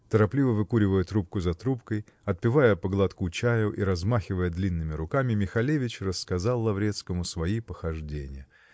Торопливо выкуривая трубку за трубкой, отпивая по глотку чаю и размахивая длинными руками, Михалевич рассказал Лаврецкому свои похождения